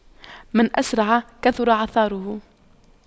من أسرع كثر عثاره